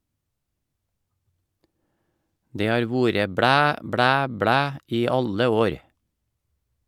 Det har vore blæ, blæ, blæ i alle år.